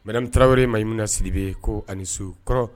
Madame Tarawele Mayimuna Sidibe ko a ni su kɔrɔ